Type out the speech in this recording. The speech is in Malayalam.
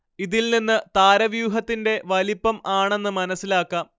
ഇതിൽ നിന്ന് താരവ്യൂഹത്തിന്റെ വലിപ്പം ആണെന്ന് മനസ്സിലാക്കാം